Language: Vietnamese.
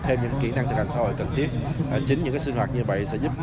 thêm những kỹ năng cần thiết chính những sinh hoạt như vậy sẽ giúp